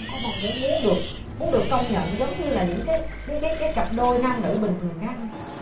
có mong muốn muốn được muốn được công nhận giống như là những cái cái cái các cặp đôi nam nữ bình thường khác không